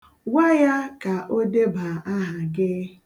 Gwa ya ka o deba aha gị.